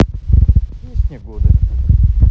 песня года